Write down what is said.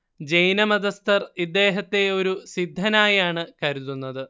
ജൈനമതസ്തർ ഇദ്ദേഹത്തെ ഒരു സിദ്ധനായാണ് കരുതുന്നത്